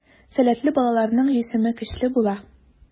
Сәләтле балаларның җисеме көчле була.